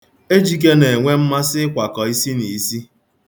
Ejike na-enwe mmasị ịkwakọ isiniisi.